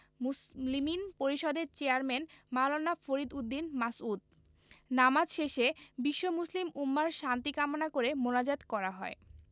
মুসলিমিন পরিষদের চেয়ারম্যান মাওলানা ফরিদ উদ্দীন মাসউদ নামাজ শেষে বিশ্ব মুসলিম উম্মাহর শান্তি কামনা করে মোনাজাত করা হয়